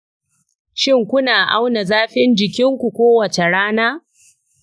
shin kuna auna zafin jikinku kowace rana?